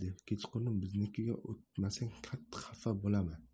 kechqurun biznikiga o'tmasang qattiq xafa bo'laman